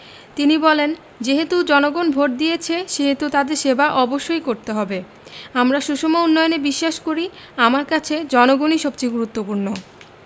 তিনি বলেন যেহেতু জনগণ ভোট দিয়েছে সেহেতু তাদের সেবা অবশ্যই করতে হবে আমরা সুষম উন্নয়নে বিশ্বাস করি আমার কাছে জনগণই সবচেয়ে গুরুত্বপূর্ণ